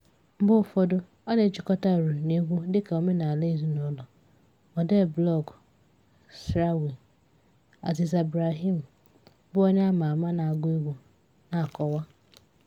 Mgbe ụfọdụ, a na-ejikọta uri na egwu dị ka omenala ezinụlọ, odee blọọgụ Sahrawi, Aziza Brahim, bụ onye ama ama na-agụ egwú na-akọwa.